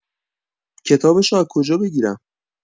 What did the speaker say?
کتابشو از کجا بگیرم؟